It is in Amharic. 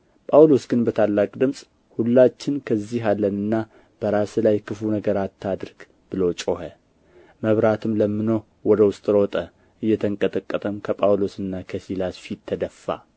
ጳውሎስ ግን በታላቅ ድምፅ ሁላችን ከዚህ አለንና በራስህ ክፉ ነገር አታድርግ ብሎ ጮኸ መብራትም ለምኖ ወደ ውስጥ ሮጠ እየተንቀጠቀጠም ከጳውሎስና ከሲላስ ፊት ተደፋ